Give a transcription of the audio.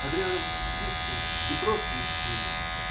Адриана вскрикнула и бросилась к нему.